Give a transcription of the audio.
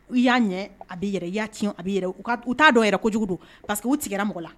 N'i y'a ɲɛ i bɛ i yɛrɛ, n'i y'a tiɲɛn i b'a i yɛrɛ ye. U t'a dɔn yɛrɛ ko kojugu don parce que u tigɛ la mɔgɔw la!